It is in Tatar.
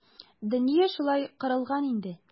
Дөнья шулай корылган инде.